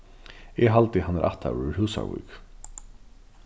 eg haldi at hann er ættaður úr húsavík